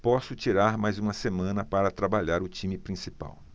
posso tirar mais uma semana para trabalhar o time principal